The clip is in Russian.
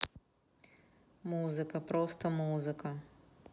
музыка просто музыка